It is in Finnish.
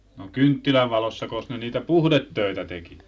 no kynttilänvalossakos ne niitä puhdetöitä teki